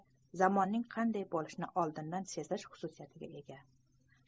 zamonning qanday bo'lishini oldindan sezish xususiyatiga ega